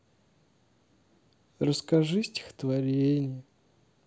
расскажи стихотворение